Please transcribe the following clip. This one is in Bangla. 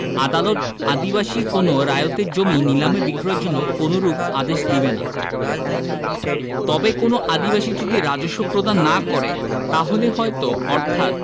আদালত আদিবাসী কোন রায়তের জমি নিলামে বিক্রয়ের জন্য কোনরূপ আদেশ দেবেনা তবে কোনও আদিবাসী যদি রাজস্ব প্রদান না করে তাহলে হয়ত অর্থাৎ